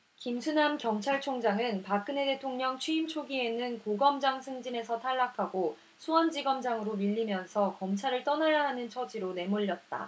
김수남 검찰총장은 박근혜 대통령 취임 초기에는 고검장 승진에서 탈락하고 수원지검장으로 밀리면서 검찰을 떠나야 하는 처지로 내몰렸다